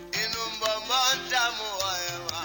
Num man tɛ ye wa